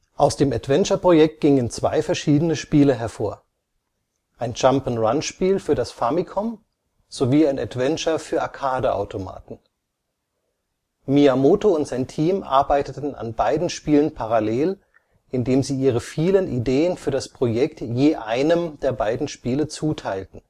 Aus dem Adventure-Projekt gingen zwei verschiedene Spiele hervor: ein Jump’ n’ Run für das Famicom sowie ein Adventure für Arcade-Automaten. Miyamoto und sein Team arbeiteten an beiden Spielen parallel, indem sie ihre vielen Ideen für das Projekt je einem der beiden Spiele zuteilten